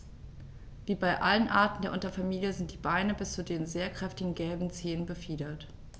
Wie bei allen Arten der Unterfamilie sind die Beine bis zu den sehr kräftigen gelben Zehen befiedert.